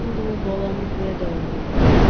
Хәзер инде ул баланы күрә дә алмый иде.